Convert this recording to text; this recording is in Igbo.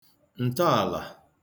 ǹtọàlà